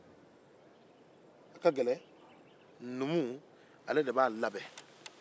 numu de b'a labɛn